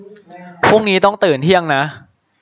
พรุ่งนี้เราต้องตื่นเที่ยงนะ